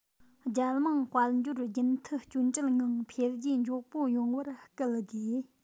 རྒྱལ དམངས དཔལ འབྱོར རྒྱུན མཐུད སྐྱོན བྲལ ངང འཕེལ རྒྱས མགྱོགས པོ ཡོང བར བསྐུལ དགོས